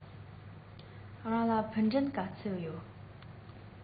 རང ལ ཕུ འདྲེན ག ཚོད ཡོད